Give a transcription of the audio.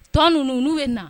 Tɔn ninnu n' ye na